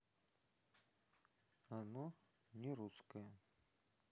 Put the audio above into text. оно не русское